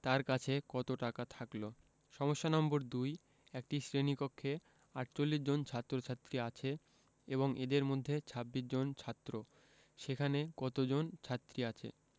তার কাছে কত টাকা থাকল সমস্যা নম্বর ২ একটি শ্রেণি কক্ষে ৪৮ জন ছাত্ৰ-ছাত্ৰী আছে এবং এদের মধ্যে ২৬ জন ছাত্র সেখানে কতজন ছাত্রী আছে